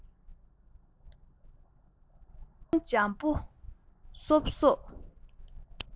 གསོ རླུང འཇམ པོ སོབ སོབ